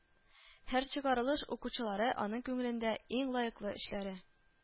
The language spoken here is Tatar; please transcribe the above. Һәр чыгарылыш укучылары аның күңелендә иң лаеклы эшләре